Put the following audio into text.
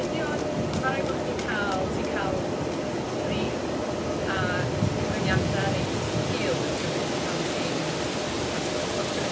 Ydy o'n... Ma' raid bo' chdi'n cael... ti'n cael briff a cyfyngiadau reit gul dwi'n cymryd pan ti'n pan ti'n cael project.